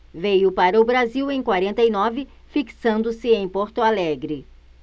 veio para o brasil em quarenta e nove fixando-se em porto alegre